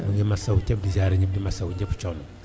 ñoo ngi masawu tamit di ziare ñëpp di masawu ñëpp coono